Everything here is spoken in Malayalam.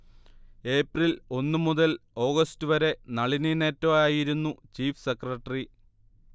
ഏപ്രിൽ ഒന്ന് മുതൽ ഓഗസ്റ്റ്വരെ നളിനി നെറ്റോയായിരുന്നു ചീഫ് സെക്രട്ടറി